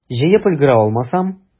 Җыеп өлгерә алмасам?